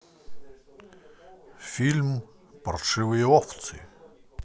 фильм паршивые овцы